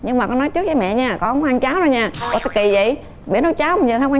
nhưng mà con nói trước với mẹ nha con hổng ăn cháo đâu nhe ủa sao kì dậy mẹ nấu cháo mà giờ sao